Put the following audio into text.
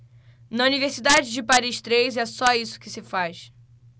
na universidade de paris três é só isso que se faz